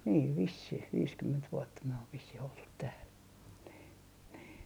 niin vissiin viisikymmentä vuotta me on vissiin oltu täällä niin niin